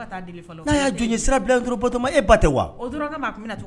Jɔn e tɛ wa